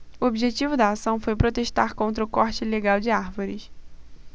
o objetivo da ação foi protestar contra o corte ilegal de árvores